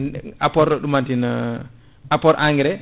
apport ɗumantina apport engrais